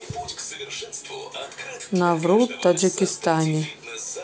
наврут таджикистане